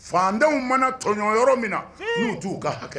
Fandenw mana tɔɔn yɔrɔ min na u'u ka hakɛ